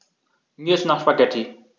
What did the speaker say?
Mir ist nach Spaghetti.